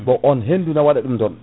bon on hendundu ne waɗa ɗum ɗoné